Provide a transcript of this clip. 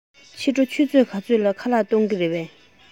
ཕྱི དྲོ ཆུ ཚོད ག ཚོད ལ ཁ ལག གཏོང གི རེད པས